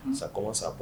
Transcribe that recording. Sa kɔmɔ sakɔ